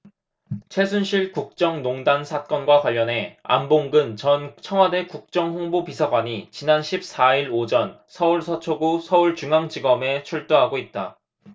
최순실 국정농단 사건과 관련해 안봉근 전 청와대 국정홍보비서관이 지난 십 사 일 오전 서울 서초구 서울중앙지검에 출두하고 있다